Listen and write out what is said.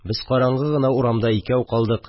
Без караңгы гына урамда икәү калдык